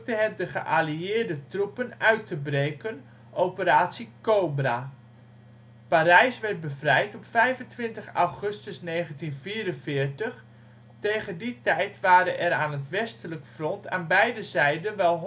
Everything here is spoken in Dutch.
het de geallieerde troepen uit te breken (operatie Cobra). Parijs werd bevrijd op 25 augustus 1944; tegen die tijd waren er aan het westelijk front aan beide zijden wel honderdduizenden